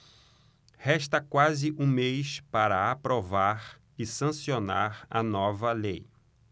resta quase um mês para aprovar e sancionar a nova lei